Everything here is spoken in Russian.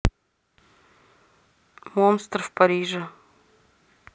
монстр в париже